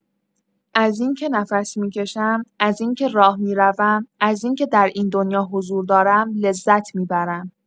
از این‌که نفس می‌کشم، از این‌که راه می‌روم، از این‌که در این دنیا حضور دارم، لذت می‌برم.